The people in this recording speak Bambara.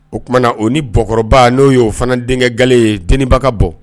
O kumana u ni Bakɔrɔba no yo fana denkɛ gale ye denibaga bɔ.